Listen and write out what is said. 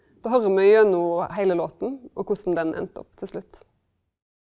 då høyrer me gjennom heile låten og korleis den enda opp til slutt.